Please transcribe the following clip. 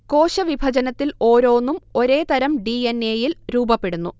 കോശവിഭജനത്തിൽ ഓരോന്നും ഒരേ തരം ഡി. എൻ. എയിൽ രൂപപ്പെടുന്നു